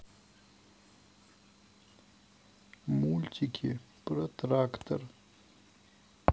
мультики про трактор